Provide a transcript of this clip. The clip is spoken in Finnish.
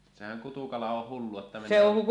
sehän kutukala on hullu että menee